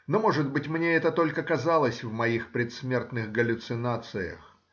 Но, может быть, мне это только казалось в моих предсмертных галлюцинациях